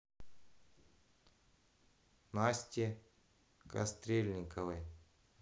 насте кастрельниковой